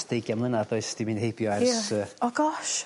...deugian mlynadd does 'di mynd heibio ers... Ie. ...yy... O gosh!